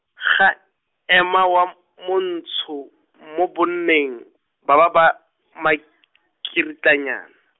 ga, ema wa M- Montsho, mo banneng, ba ba ba, makiritlanyana.